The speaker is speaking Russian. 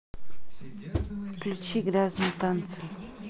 включи грязные танцы